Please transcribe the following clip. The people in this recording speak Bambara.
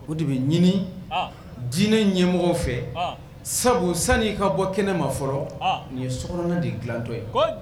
O de bɛ ɲini dinɛ ɲɛ mɔgɔw fɛ sabu sani ka bɔ kɛnɛ ma fɔlɔ nin ye sokkɔnɔ de dilatɔ ye